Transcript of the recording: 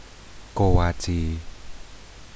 โกวาจี